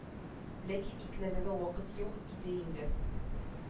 Ләкин икеләнергә вакыт юк иде инде